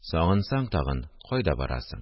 Сагынсаң тагын, кайда барасың